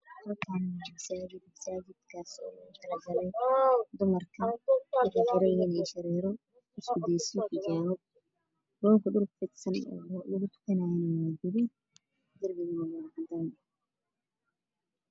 Halkaan waa masaajid oo lugu talagalay dumarka waxay xiran yihiin indho shareer madow iyo iskudeysyo, xijaabo. Rooga dhulka fidsan oo lugu tukanaayo waa gaduud, darbiga waa cadaan.